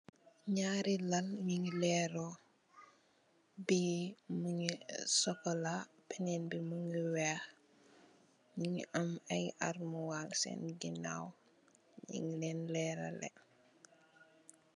ñyaari Lal nyu ngi leero bi mungi sokola been bi mungi weex nyu ngi am ay almuwaar Sen ginaaw nyung Ken leeraleh